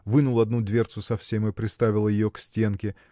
вынул одну дверцу совсем и приставил ее к стенке